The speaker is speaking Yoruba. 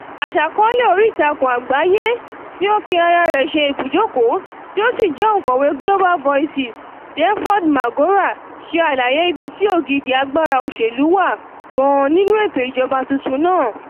Aṣàkọọ́lẹ̀ oríìtakùn àgbáyé tí ó fi Harare ṣe ibùjókòó tí ó sì jẹ́ Òǹkọ̀wé Global Voices, Denford Magora, ṣe àlàyé ibi tí ògidì agbára òṣèlú wà gan nínú ètò ìjọba tuntun náà.